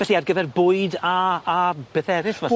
Felly ar gyfer bwyd a a beth eryll fatha?